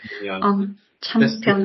. Yn union. O'n champion